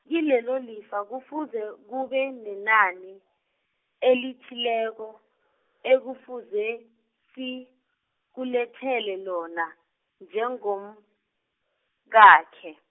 kilelo lifa kufuze kube nenani, elithileko, ekufuze, sikulethele lona, njengomkakhe.